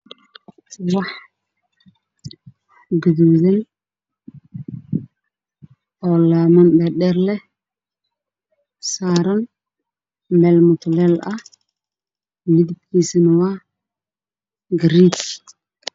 Ubax gaduudan oo laamo dhaadheer leh saaran meel mutuleel ah